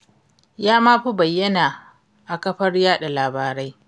'Ya ma fi bayyana a kafar yaɗa labarai.